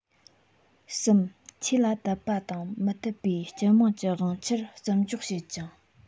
གསུམ ཆོས ལ དད པ དང མི དད པའི སྤྱི དམངས ཀྱི དབང ཆར བརྩི འཇོག བྱེད ཅིང